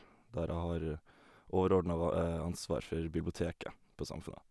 Der jeg har overordnet va ansvar for biblioteket på Samfundet.